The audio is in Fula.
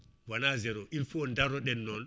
wona zéro il faut daroɗen noon